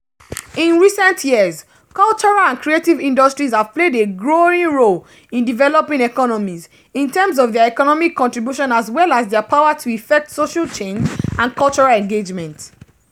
In recent years, cultural and creative industries have played a growing role in developing economies, in terms of their economic contribution as well as their power to effect social change and cultural engagement.